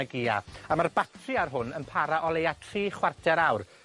y Gia. A ma'r batri ar hwn yn para o leia tri chwarter awr.